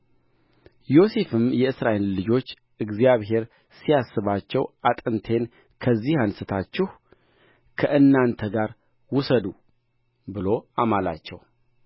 ዮሴፍም የእስራኤልን ልጆች እግዚአብሔር ሲያስባችሁ አጥንቴን ከዚህ አንሥታችሁ ከእናንተ ጋር ውሰዱ ብሎ አማላቸው